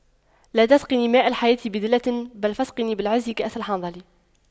لا تسقني ماء الحياة بذلة بل فاسقني بالعز كأس الحنظل